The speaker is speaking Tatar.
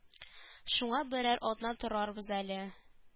Шуңа берәр атна торарбыз әле